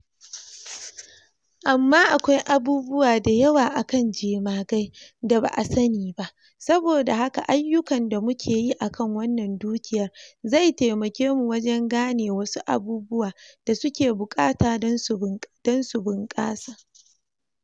Amma akwai abubuwa da yawa akan jemagai da ba a sani ba, saboda haka ayyukan da muke yi akan wannan dukiyar zai taimake mu wajen gane wasu abubuwa da suke bukata dan su bunƙasa.”